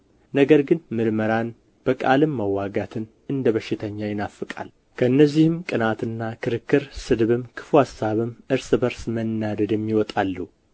ነገር ግን ምርመራን በቃልም መዋጋትን እንደ በሽተኛ ይናፍቃል ከእነዚህም ቅንዓትና ክርክር ስድብም ክፉ አሳብም እርስ በርስ መናደድም ይወጣሉ